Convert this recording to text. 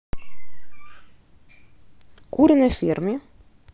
куры на ферме